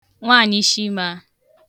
nwaànyị̀ ishima